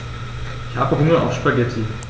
Ich habe Hunger auf Spaghetti.